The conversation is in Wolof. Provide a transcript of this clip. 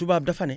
tubaab dafa ne